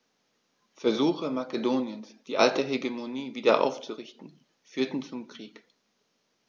Versuche Makedoniens, die alte Hegemonie wieder aufzurichten, führten zum Krieg.